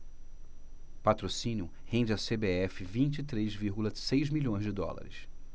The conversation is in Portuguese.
patrocínio rende à cbf vinte e três vírgula seis milhões de dólares